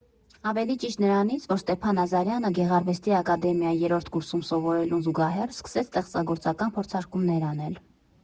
Ավելի ճիշտ՝ նրանից, որ Ստեփան Ազարյանը Գեղարվեստի ակադեմիայի երրորդ կուրսում սովորելուն զուգահեռ սկսեց ստեղծագործական փորձարկումներ անել։